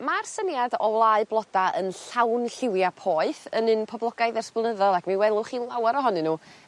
ma'r syniad o wlau bloda yn llawn lliwia' poeth yn un poblogaidd ers blynydda ac mi welwch chi lawer ohonyn n'w